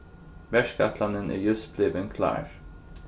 verkætlanin er júst blivin klár